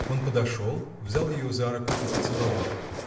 Он подошел, взял ее за руку и поцеловал.